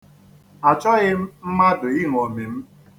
Achọghị m mmadụ iṅomi m.